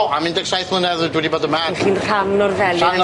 Do am un deg saith mlynedd dwi wedi bod yma dach chi'n rhan o'r felin